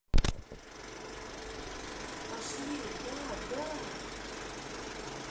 пошли да да